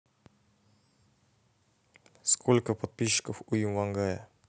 сколько подписчиков у ивангая